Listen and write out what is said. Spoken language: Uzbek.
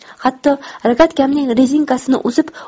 hatto rogatkamning rezinkasini uzib